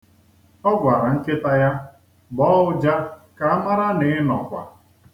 Ọ gwara nkịta ya, "gbọọ ụja ka a mara na ị nọkwa".